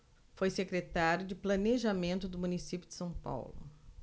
foi secretário de planejamento do município de são paulo